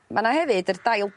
Ma' 'na hefyd yr dail